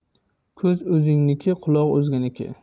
ko'z o'zingniki quloq o'zganiki